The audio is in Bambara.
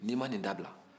n'i ma nin dabila